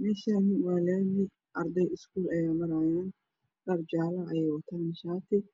Meeshaan waa laami arday iskuul ayaa maraayo dhar jaale ay wataan bajaaj